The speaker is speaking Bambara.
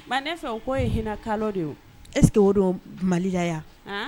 Ne fɛ ko ye hinɛka de ye e tɛ dɔ malila yan